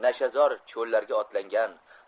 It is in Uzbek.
nashazor cho'llarga otlangan